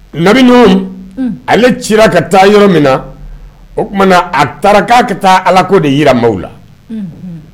Nami ale ci ka taa yɔrɔ min na o t a taara k'a ka taa ala ko de yi maaw la